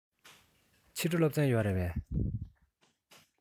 ཕྱི དྲོ སློབ ཚན ཡོད རེད པས